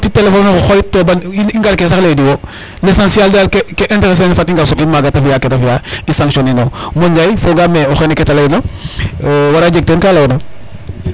To ba i ngarke sax lay ee diwo l' essentiel daal ke interesser na in fat i ngar soɓin maaga ta fi'aa ke ta fi'aa i sanction ne in Modou Ndiaye foogaam ee oxene ke ta layna war a jeg teen ka layoona.